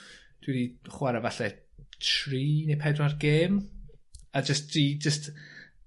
dwi 'di chware falle tri neu pedwar gêm. A jyst i jyst